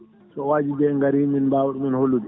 so wajiɓe gari min mbawa ɗumen hollude